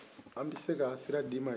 an bi se ka sira di ma